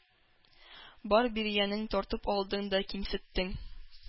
Бар биргәнең тартып алдың да кимсеттең.